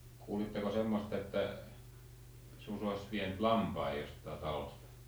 kuulitteko semmoista että susi olisi vienyt lampaan jostakin talosta